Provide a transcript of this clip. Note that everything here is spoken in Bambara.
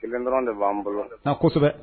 Kelen dɔrɔn de'an bolo' kosɛbɛ